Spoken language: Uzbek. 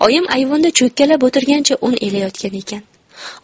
oyim ayvonda cho'kkalab o'tirgancha un elayotgan ekan